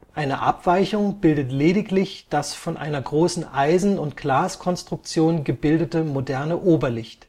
Eine Abweichung bildet lediglich das von einer großen Eisen - und Glaskonstruktion gebildete moderne Oberlicht